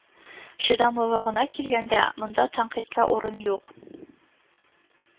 Чыдамлылыгына килгәндә, монда тәнкыйтькә урын юк